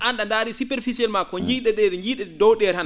aan a ndaarii superficiellement ko njii?e ?ee njii?e dow ?ee tan